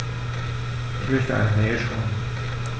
Ich möchte eine Mail schreiben.